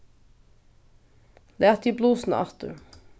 lat teg í blusuna aftur